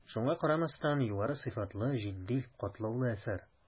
Шуңа карамастан, югары сыйфатлы, житди, катлаулы әсәр.